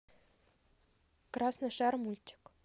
красный шар мультик